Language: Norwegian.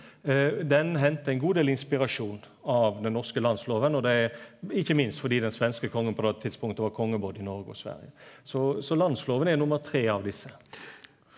den hentar ein god del inspirasjon av den norske landsloven og det er ikkje minst fordi den svenske kongen på det tidspunktet var konge både i Noreg og Sverige så så landsloven er nummer tre av desse.